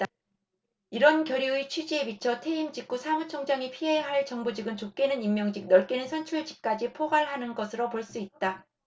이런 결의의 취지에 비춰 퇴임 직후 사무총장이 피해야 할 정부직은 좁게는 임명직 넓게는 선출직까지 포괄하는 것으로 볼 수 있다